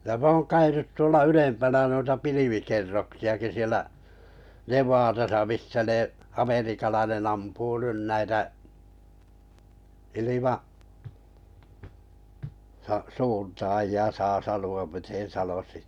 ja minä olen käynyt tuolla ylempänä noita pilvikerroksiakin siellä Nevadassa missä ne amerikkalainen ampuu nyt näitä -- ilmasuuntaajia saa sanoa miten sanoisi